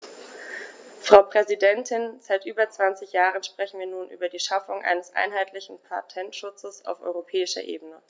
Frau Präsidentin, seit über 20 Jahren sprechen wir nun über die Schaffung eines einheitlichen Patentschutzes auf europäischer Ebene.